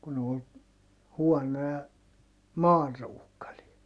kun oli huonoja maanruukareita